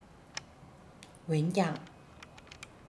འོན ཀྱང